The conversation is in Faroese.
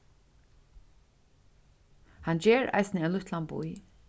hann ger eisini ein lítlan bý